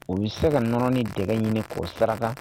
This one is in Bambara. U bɛ se se ka nɔnɔ ni dɛgɛ ɲini k'o saraka!